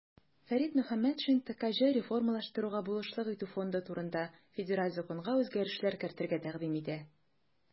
Фәрит Мөхәммәтшин "ТКҖ реформалаштыруга булышлык итү фонды турында" Федераль законга үзгәрешләр кертергә тәкъдим итә.